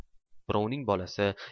birovning bolasi